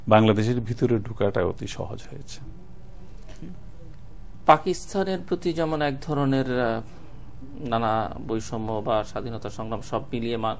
বাংলাদেশের ভিতরে ঢোকা টা অতি সহজ হয়েছে পাকিস্তানের প্রতি যেমন এক ধরনের নানা বৈষম্য বা স্বাধীনতা সংগ্রাম সব মিলিয়ে